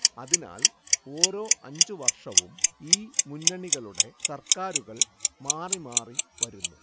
അതിനാൽ ഓരോ അഞ്ച് വർഷവും ഈ മുന്നണികളുടെ സർക്കാരുകൾ മാറി മാറി വരുന്നു